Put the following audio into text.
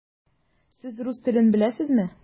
Сез рус телен беләсезме?